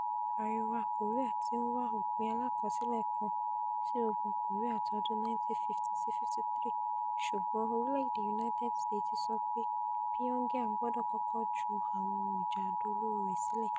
Àríwá Kòríà ti ńwá òpin alákọsílẹ̀ kan sí Ogun Kòríà tọdún 1950-53, ṣùgbọn orílẹ̀-èdè United Ststes ti sọ pé Pyongyang gbọ́dọ̀ kọ́kọ́ ju àwọn ohun ìjà àdó olóró rẹ̀ sílẹ̀.